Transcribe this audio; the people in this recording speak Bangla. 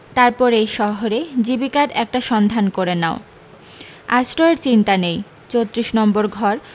তারপর এই শহরে জীবিকার একটা সন্ধান করে নাও আশ্রয়ের চিন্তা নেই চোত্রিশ নম্বর ঘর